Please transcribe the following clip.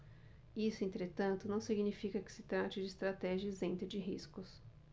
isso entretanto não significa que se trate de estratégia isenta de riscos